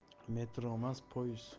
metromas poyiz